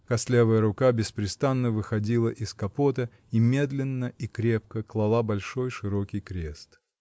костлявая рука беспрестанно выходила из капота и медленно и крепко клала большой широкий крест.